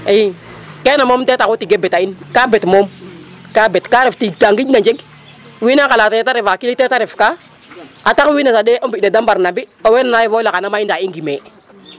II kene moom ten taxu tige beta in kaa bet moom kaa bet kaa ref tiig ka ngijna jeg wiin we nqalaatatee ref kili ta ref ka xato wiin we saɗee mbi' ne de mbarna mbi' oxey laya yee foof le xan ta mayna i ngimee.